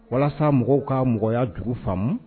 Walasa mɔgɔw ka mɔgɔya jugu faamumu